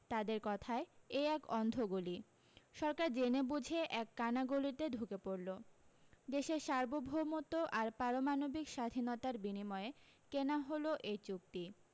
তাদের কথায় এ এক অন্ধ গলি সরকার জেনেবুঝে এক কানা গলিতে ঢুকে পড়লো দেশের সার্বভৌমত্ব আর পারমাণবিক স্বাধীনতার বিনিময়ে কেনা হল এই চুক্তি